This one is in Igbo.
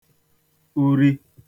uri